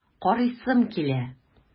Карыйсым килә!